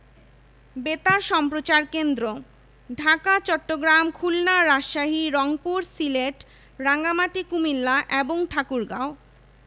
বেতার সম্প্রচার কেন্দ্রঃ ঢাকা চট্টগ্রাম খুলনা রাজশাহী রংপুর সিলেট রাঙ্গামাটি কুমিল্লা এবং ঠাকুরগাঁও